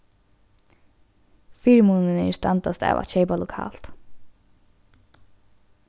fyrimunirnir standast av at keypa lokalt